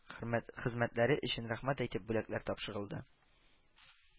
Хөрмәт хезмәтләре өчен рәхмәт әйтеп, бүләкләр тапшырылды